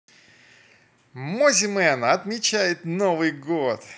mosimann отмечает новый год